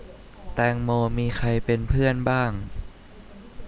แตงโมมีใครเป็นเพื่อนบ้าง